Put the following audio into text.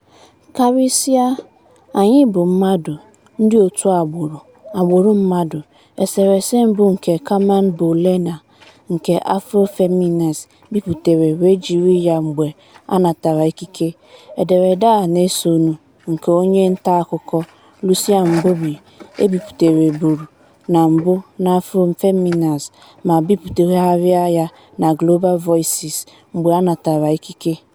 Karịsịa, anyị bụ mmadụ, ndị otu agbụrụ, agbụrụ mmadụ. " Eserese mbụ nke Carmen Bolena, nke Afroféminas bipụtara wee jiri ya mgbe a natara ikike. Ederede a na-esonu nke onye ntaakụkọ Lucía Mbomío ebipụtabụru na mbụ na Afroféminas ma bipụtagharị ya na Global Voices mgbe a natara ikike.